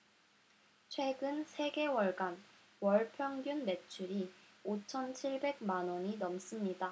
최근 세 개월간 월 평균 매출이 오 천 칠 백만 원이 넘습니다